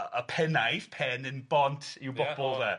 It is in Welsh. y pennaeth, pen yn bont i'w bobl de.